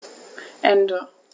Ende.